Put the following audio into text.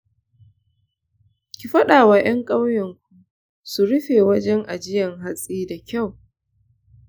ki fadawa yan kauyenku su rufe wajen ajiyan hatsi da kyau.